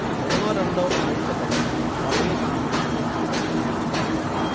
ഒന്നോ രണ്ടോ ആഴ്ച കഴിഞ്ഞാൽ പഴയ ജീവിതത്തിലേക്കു തിരിച്ചു പോകാനാവും